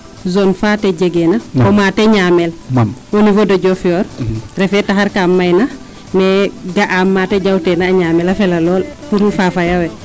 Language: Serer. zone faa te jegeena fo maate ñaamel au nivau de Diofior refee taxar kaa mayna mais ga'aam maate jaw teena a ñaamel a fela lool mbir Fafaye ole